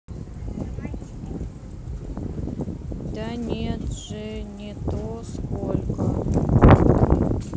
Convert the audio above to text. да нет же не то сколько